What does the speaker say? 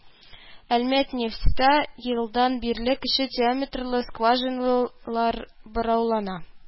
«әлмәтнефть»тә елдан бирле кече диаметрлы скважиналар бораулана